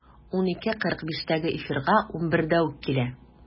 12.45-тәге эфирга 11-дә үк килә.